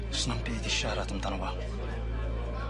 Sna'm byd i siarad amdano fo.